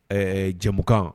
Ɛɛ jamukan